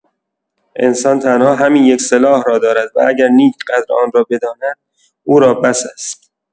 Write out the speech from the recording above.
انسان تنها همین یک سلاح را دارد و اگر نیک قدر آن را بداند، او را بس است.